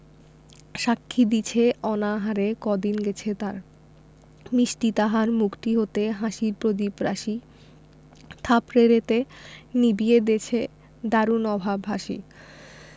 সাক্ষী দিছে অনাহারে কদিন গেছে তার মিষ্টি তাহার মুখটি হতে হাসির প্রদীপ রাশি থাপড়েতে নিবিয়ে দেছে দারুণ অভাব আসি